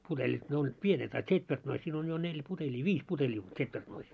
putelit ne olivat pienet a tsetvertnoissa siinä on jo neljä putelia viisi putelia on tsetvertnoissa